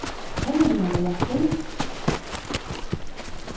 kennir tú handa jassin